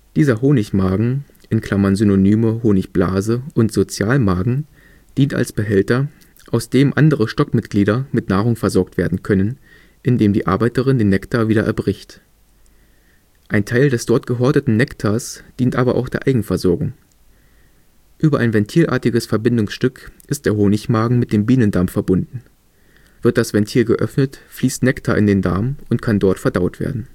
Dieser Honigmagen (Synonyme: Honigblase, Sozialmagen) dient als Behälter, aus dem andere Stockmitglieder mit Nahrung versorgt werden können, indem die Arbeiterin den Nektar wieder erbricht. Ein Teil des dort gehorteten Nektars dient aber auch der Eigenversorgung. Über ein ventilartiges Verbindungsstück ist der Honigmagen mit dem Bienendarm verbunden. Wird das Ventil geöffnet, fließt Nektar in den Darm und kann dort verdaut werden